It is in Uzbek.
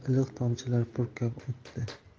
ham iliq tomchilar purkab o'tdi